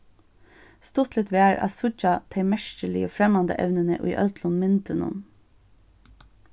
stuttligt var at síggja tey merkiligu fremmandaevnini í øllum myndunum